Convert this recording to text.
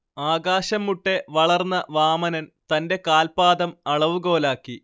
ആകാശംമുട്ടെ വളർന്ന വാമനൻ തന്റെ കാൽപ്പാദം അളവുകോലാക്കി